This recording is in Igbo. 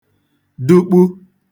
dukpù